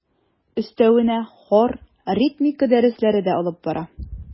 Өстәвенә хор, ритмика дәресләре дә алып бара.